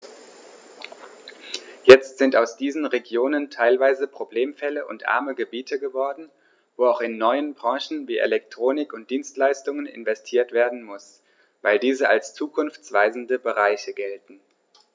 Jetzt sind aus diesen Regionen teilweise Problemfälle und arme Gebiete geworden, wo auch in neue Branchen wie Elektronik und Dienstleistungen investiert werden muss, weil diese als zukunftsweisende Bereiche gelten.